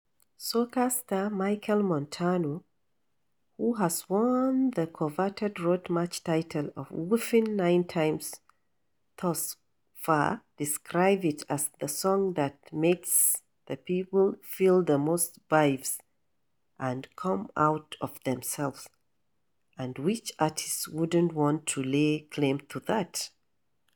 Soca star Machel Montano, who has won the coveted Road March title a whopping nine times thus far, describes it as "the song that make[s] the people feel the most vibes and come out of themselves" — and which artist wouldn't want to lay claim to that?